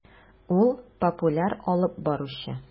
Ул - популяр алып баручы.